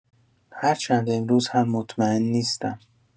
هر چند امروز هم مطمئن نیستم.